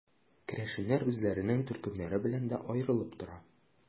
Керәшеннәр үзләренең төркемнәре белән дә аерылып тора.